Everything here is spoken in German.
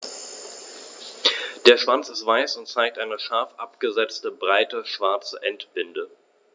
Der Schwanz ist weiß und zeigt eine scharf abgesetzte, breite schwarze Endbinde.